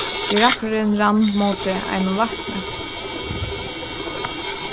giraffurin rann móti einum vatni